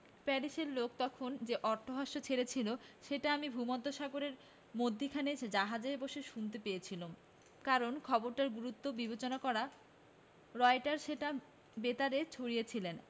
প্যারিসের লোক তখন যে অট্টহাস্য ছেড়েছিল সেটা আমি ভূমধ্যসাগরের মধ্যিখানে জাহাজে বসে শুনতে পেয়েছিলুম কারণ খবরটার গুরুত্ব বিবেচনা করে রয়টার সেটা বেতারে ছড়িয়েছিলেন